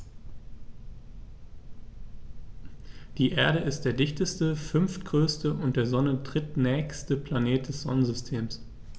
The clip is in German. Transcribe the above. Die Erde ist der dichteste, fünftgrößte und der Sonne drittnächste Planet des Sonnensystems.